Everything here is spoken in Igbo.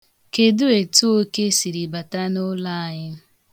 Kedụ etu oke siri bata n'ụlọ anyị?